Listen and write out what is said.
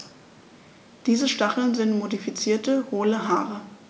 Diese Stacheln sind modifizierte, hohle Haare.